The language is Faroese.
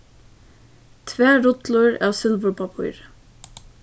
tvær rullur av silvurpappíri